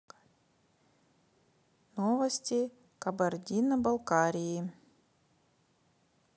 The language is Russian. новости кабардино балкарии